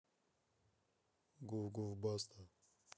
гуф гуф баста